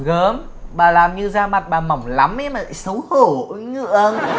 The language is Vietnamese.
gớm bà làm như da mặt bà mỏng lắm ý mà lại xấu hổ ngượng